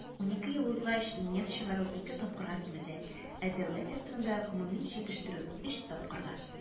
12 ел узгач нефть чыгару ике тапкырга кимеде, ә дәүләт секторындагы гомуми җитештерү - өч тапкырга.